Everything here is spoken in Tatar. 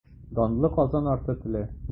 Данлы Казан арты теле.